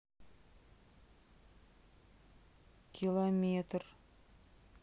километр